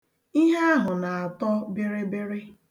Ihe ahụ na-atọ bịrịbịrị.